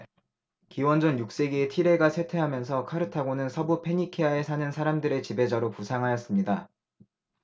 기원전 육 세기에 티레가 쇠퇴하면서 카르타고는 서부 페니키아에 사는 사람들의 지배자로 부상하였습니다